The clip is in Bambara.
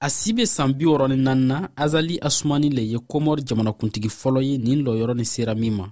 a si bɛ san 64nan na azali asumani de ye kɔmɔri jamanakuntigi fɔlɔ ye nin jɔyɔrɔ nin sera min ma